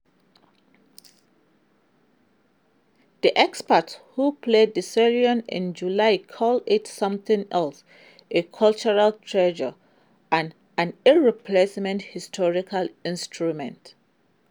The expert who played the carillon in July called it something else: "A cultural treasure" and "an irreplaceable historical instrument."